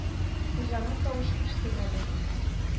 Хуҗаның тавышы ишетелмәде